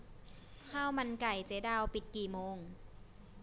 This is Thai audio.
ข้าวมันไก่เจ๊ดาวปิดกี่โมง